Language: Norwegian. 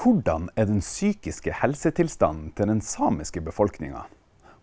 hvordan er den psykiske helsetilstanden til den samiske befolkninga?